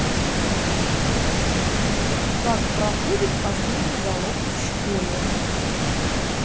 как проходит последний залог в школе